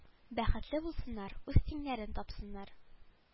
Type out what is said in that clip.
Бәхетле булсыннар үз тиңнәрен тапсыннар